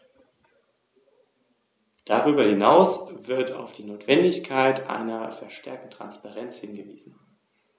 Anhand der Daten des sechsten Berichts wird deutlich, dass das regionale Gefälle in den letzten zehn Jahren erheblich zugenommen hat.